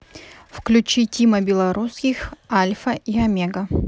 включи тима белорусских альфа и омега